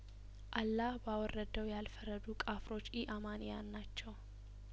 አላህ ባወረደው ያልፈረዱ ቃፍሮች ኢአማኒያን ናቸው